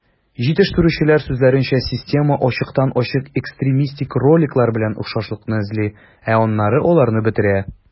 Җитештерүчеләр сүзләренчә, система ачыктан-ачык экстремистик роликлар белән охшашлыкны эзли, ә аннары аларны бетерә.